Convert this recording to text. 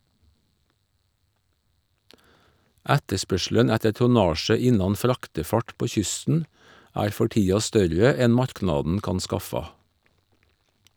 Etterspørselen etter tonnasje innan fraktefart på kysten er for tida større enn marknaden kan skaffa.